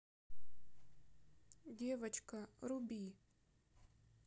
девочка руби